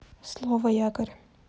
слово якорь